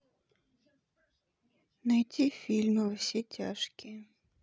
найти фильм во все тяжкие